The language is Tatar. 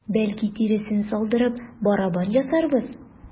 Бәлки, тиресен салдырып, барабан ясарбыз?